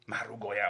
Marw go iawn.